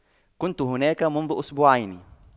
كنت هناك منذ أسبوعين